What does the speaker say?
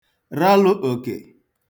ralụ òkè